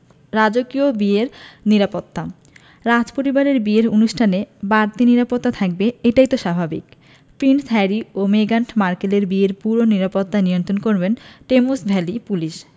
রাজকীয় বিয়ের নিরাপত্তা রাজপরিবারের বিয়ের অনুষ্ঠানে বাড়তি নিরাপত্তা থাকবে এটাই তো স্বাভাবিক প্রিন্স হ্যারি ও মেগান মার্কেলের বিয়ের পুরো নিরাপত্তা নিয়ন্ত্রণ করবে টেমস ভ্যালি পুলিশ